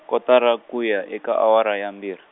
kotara ku ya eka awara ya mbirhi.